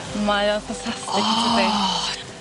Mae o fantastic tydi?